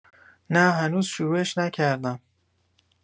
نه هنوز شروعش نکردم